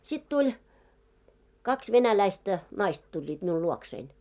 sitten tuli kaksi venäläistä naista tulivat minulle luokseni